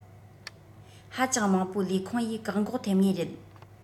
ཧ ཅང མང པོ ལས ཁུང ཡི བཀག འགོག ཐེབས ངེས རེད